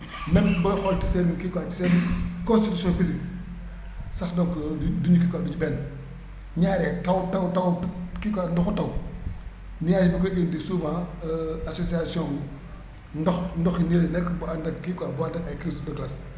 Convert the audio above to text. même booy xool seen kii quoi ci seen constitution physique sax donc duñ du ñu kii quoi du ñu benn ñaare taw taw taw kii quoi ndoxu taw nuage bu koy indi souvent association ndox ndox yi nii lay nekk bu ànd ak kii quoi bu ànd ak ay cristaux glaces